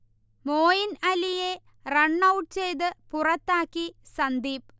മോയിൻ അലിയെ റണ്ണൌട്ട് ചെയ്ത് പുറത്താക്കി സന്ദീപ്